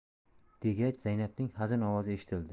degach zaynabning hazin ovozi eshitildi